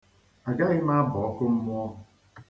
A gaghị m aba ọkụmmụọ.